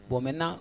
Bonmna